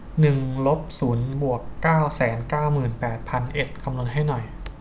หนึ่งลบศูนย์บวกเก้าแสนเก้าหมื่นแปดพันเอ็ดคำนวณให้หน่อย